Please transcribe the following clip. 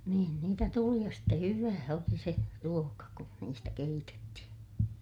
niin niitä tuli ja sitten hyvää oli se ruoka kun niistä keitettiin